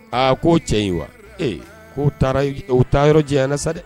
Aa ko cɛ in wa ee ko taara o taa yɔrɔ jɛyara sa dɛ